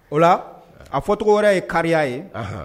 O la a fɔ tɔgɔ wɛrɛ ye kari ye